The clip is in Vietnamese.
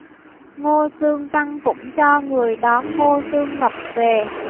ngô xương văn cũng cho người đón ngô xương ngập về